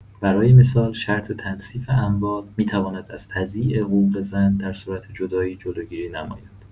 برای مثال، شرط تنصیف اموال می‌تواند از تضییع حقوق زن در صورت جدایی جلوگیری نماید.